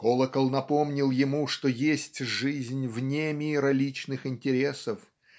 Колокол напомнил ему, что есть жизнь вне мира личных интересов